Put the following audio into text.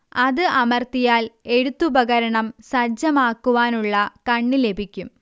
അത് അമർത്തിയാൽ എഴുത്തുപകരണം സജ്ജമാക്കുവാനുള്ള കണ്ണി ലഭിക്കും